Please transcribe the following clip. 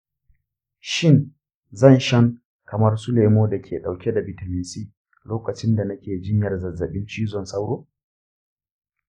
shin zan shan kamar su lemu da ke ɗauke da bitamin c lokacin da nake jinyar zazzabin cizon sauro